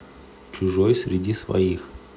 чужой среди своих